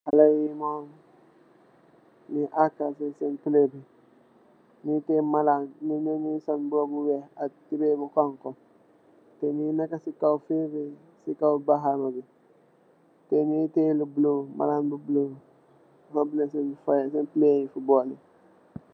Haleh yi mom Nyunge teyeh malan nyenen yi nyunge sul mboba bu wekh ak tubey bu xhong khu ta nyunge neka si kaw bahama bi ta nyunge teyeh malan buluh